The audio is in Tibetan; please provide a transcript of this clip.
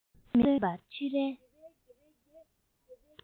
སོན མེད པར འཆི རན